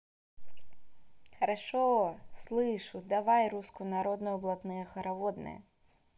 хорошо слышу давай русскую народную блатные хороводные